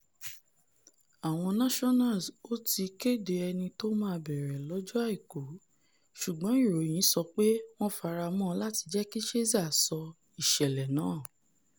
Àwọn Nationals ò tí ì kéde ẹni tó máa bẹ̀rẹ̀ lọ́jọ Àìkú, ṣùgbọ́n ìròyìn sọ pé wọn faramọ́ láti jẹ́kí Scherzer sọ ìṣẹ̀lẹ̀ náà.